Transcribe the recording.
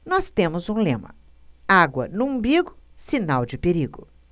nós temos um lema água no umbigo sinal de perigo